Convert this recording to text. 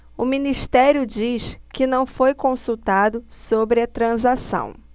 o ministério diz que não foi consultado sobre a transação